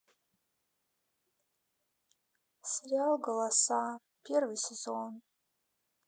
сериал голоса первый сезон